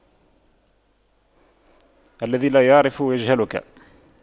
الذي لا يعرفك يجهلك